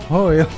Hwyl!